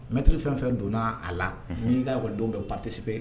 Mɛtiriri fɛn fɛn donna a la mini'akɔdon bɛ patip yen